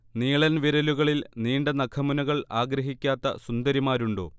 നീളൻ വിരലുകളിൽ നീണ്ട നഖമുനകൾ ആഗ്രഹിക്കാത്ത സുന്ദരിമാരുണ്ടോ